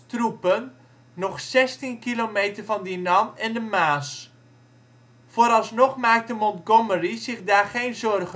troepen nog zestien kilometer van Dinant en de Maas. Vooralsnog maakte Montgomery